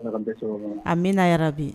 Allah k'an bɛ sabaaba man. Amina yaa rabbi